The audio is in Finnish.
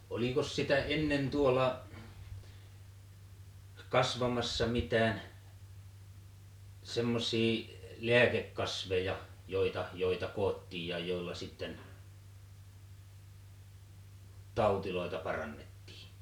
olikos sitä ennen tuolla kasvamassa mitään semmoisia lääkekasveja joita joita koottiin ja joilla sitten tauteja parannettiin